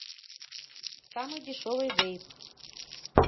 самый дешевый вейп